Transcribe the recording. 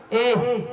Ee